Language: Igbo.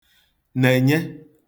nènye